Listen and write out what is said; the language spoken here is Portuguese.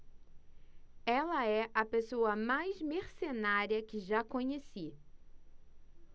ela é a pessoa mais mercenária que já conheci